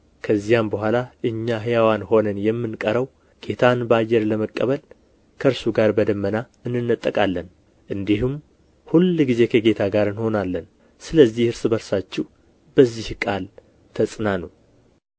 ከዚያም በኋላ እኛ ሕያዋን ሆነን የምንቀረው ጌታን በአየር ለመቀበል ከእነርሱ ጋር በደመና እንነጠቃለን እንዲሁም ሁልጊዜ ከጌታ ጋር እንሆናለን ስለዚህ እርስ በርሳችሁ በዚህ ቃል ተጽናኑ